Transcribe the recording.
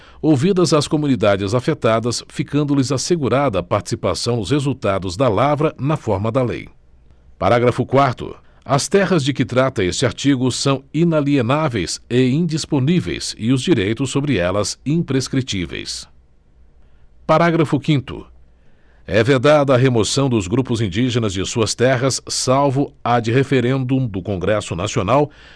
ouvidas as comunidades afetadas ficando lhes assegurada participação nos resultados da lavra na forma da lei parágrafo quarto as terras de que trata este artigo são inalienáveis e indisponíveis e os direitos sobre elas imprescritíveis parágrafo quinto é vedada a remoção dos grupos indígenas de suas terras salvo ad referendum do congresso nacional